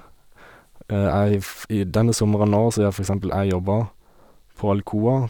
æ if I denne sommeren nå så har for eksempel jeg jobba på Alcoa.